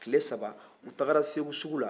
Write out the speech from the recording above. tile saba u taara segu sugu la